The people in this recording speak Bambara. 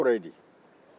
si kɔrɔ ye di